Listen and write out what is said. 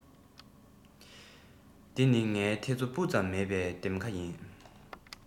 འདི ནི ངའི ཐེ ཚོ སྤུ ཙམ མེད པའི འདེམས ཁ ཡིན